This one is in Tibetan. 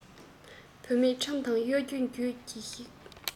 བུད མེད ཁྲམ དང གཡོ སྒྱུ གྱོད ཀྱི གཞི